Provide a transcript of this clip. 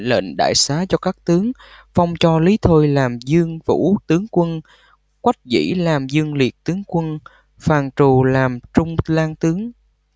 lệnh đại xá cho các tướng phong cho lý thôi làm dương vũ tướng quân quách dĩ làm dương liệt tướng quân phàn trù làm trung lang tướng